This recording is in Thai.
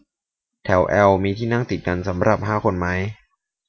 แถวแอลมีที่นั่งติดกันสำหรับห้าคนมั้ย